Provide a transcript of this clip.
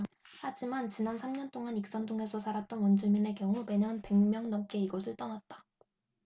하지만 지난 삼 년동안 익선동에서 살았던 원주민의 경우 매년 백 명 넘게 이곳을 떠났다